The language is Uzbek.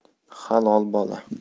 halol bola